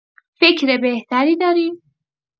فکر بهتری داری؟